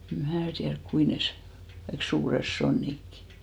en minä tiedä kuinka ne - kaikki suuret sonnitkin